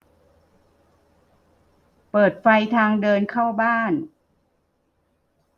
เปิดไฟทางเดินเข้าบ้าน